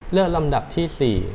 เลือกลำดับที่สี่